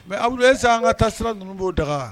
Mɛ alibu san an ka taa sira ninnu b'o daga